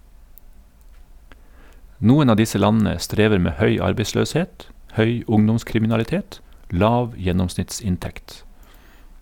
Noen av disse landene strever med høy arbeidsløshet, høy ungdomskriminalitet, lav gjennomsnittsinntekt.